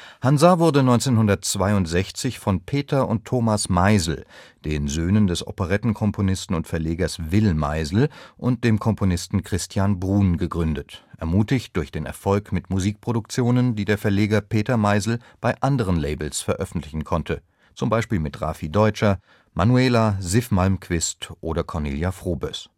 Hansa wurde 1962 von Peter und Thomas Meisel, den Söhnen des Operettenkomponisten und Verlegers Will Meisel, und dem Komponisten Christian Bruhn gegründet – ermutigt durch den Erfolg mit Musikproduktionen, die Verleger Peter Meisel bei anderen Labels veröffentlichen konnte, z. B. mit Drafi Deutscher, Manuela, Siw Malmkvist oder Cornelia Froboess